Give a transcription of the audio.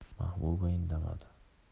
mahbuba indamadi